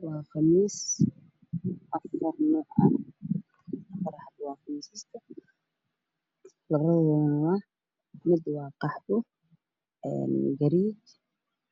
Waa laba qabiis oo isaga yaalo mid waa qaxwi midka kalena oo huruud waxayna yaalaan meel carro ah oo dharka